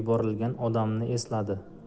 yuborilgan odamni esladi